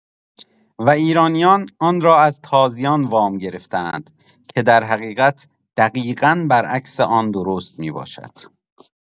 و ایرانیان آن را از تازیان وام گرفته‌اند که در حقیقت دقیقا بر عکس آن درست می‌باشد.